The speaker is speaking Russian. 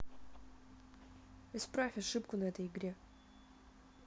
исправь ошибку на этой игре